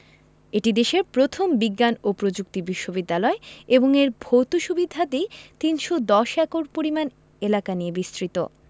এটি দেশের প্রথম বিজ্ঞান ও প্রযুক্তি বিশ্ববিদ্যালয় এবং এর ভৌত সুবিধাদি ৩১০ একর পরিমাণ এলাকা নিয়ে বিস্তৃত